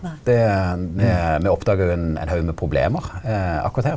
det me me oppdaga jo ein ein haug med problem akkurat her.